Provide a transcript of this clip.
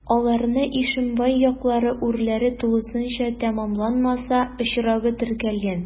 Аларны Ишембай яклары урләре тулысынча тәмамланмаса очрагы теркәлгән.